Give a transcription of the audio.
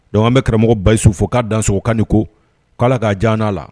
Dɔn bɛ karamɔgɔ basisu fo k'a dansokan ko k' la k'a jan la